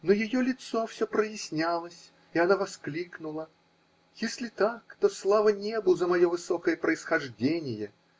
Но ее лицо все прояснялось, и она воскликнула: -- Если так, то слава Небу за мое высокое происхождение!